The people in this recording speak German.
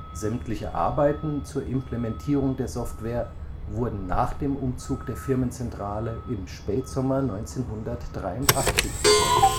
Sämtliche Arbeiten zur Implementierung der Software wurden nach dem Umzug der Firmenzentrale im Spätsommer 1983 begonnen